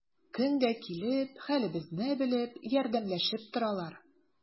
Көн дә килеп, хәлебезне белеп, ярдәмләшеп торалар.